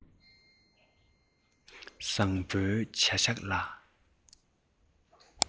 བཟང པོའི བྱ བཞག ལ